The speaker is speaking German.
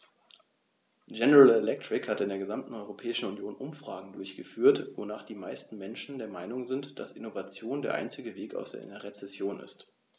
General Electric hat in der gesamten Europäischen Union Umfragen durchgeführt, wonach die meisten Menschen der Meinung sind, dass Innovation der einzige Weg aus einer Rezession ist.